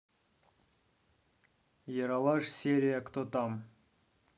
ералаш серия кто там